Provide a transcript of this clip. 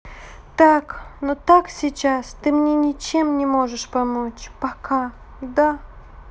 так ну так сейчас ты мне ничем не можешь помочь пока да